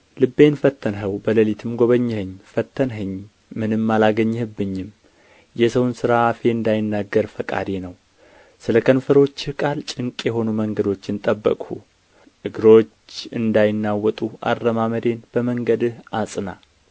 ልቤን ፈተንኸው በሌሊትም ጐበኘኸኝ ፈተንኸኝ ምንም አላገኘህብኝም የሰውን ሥራ አፌ እንዳይናገር ፈቃዴ ነው ስለ ከንፈሮችህ ቃል ጭንቅ የሆኑ መንገዶችን ጠበቅሁ እግሮች እንዳይናወጡ አረማመዴን በመንገድህ አጽና